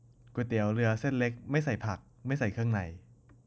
ก๋วยเตี๋ยวเรือเส้นเล็กไม่ใส่ผักไม่ใส่เครื่องใน